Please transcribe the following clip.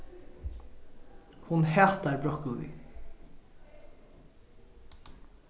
hon hatar brokkoli